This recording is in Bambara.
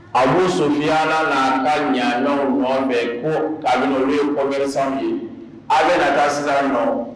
k'a bi ɲakamɛnw nɔfɛ a bɛna na taa sisan nɔ